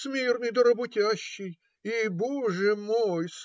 - Смирный да работящий, и боже мой!